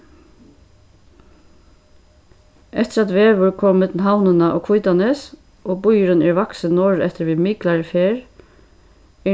eftir at vegur kom millum havnina og hvítanes og býurin er vaksin norðureftir við miklari ferð